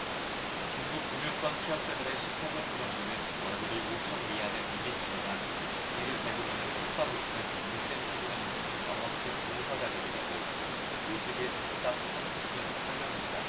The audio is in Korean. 중국 금융권 취업자들의 십 퍼센트 정도는 월급이 오천 위안에 못 미치지만 이들 대부분은 성과급 등 인센티브가 높은 영업직 종사자들이라고 오십 일 잡닷컴 측은 설명했다